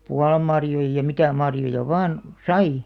puolanmarjoja ja mitä marjoja vain sai